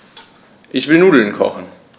Ich will Nudeln kochen.